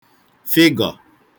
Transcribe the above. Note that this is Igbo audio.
fịgọ